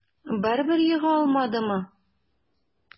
Барыбер ега алмадымы?